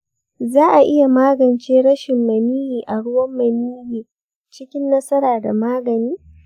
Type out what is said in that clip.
za a iya magance rashin maniyyi a ruwan maniyyi cikin nasara da magani?